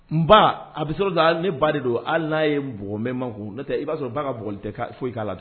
N ba , a bɛ sɔrɔ ne ba de don, hali n'a. ye n bukɔ, n bɛ makun, n'o tɛ ib'a sɔr ba ka bugoli tɛ foyi k'a la tun.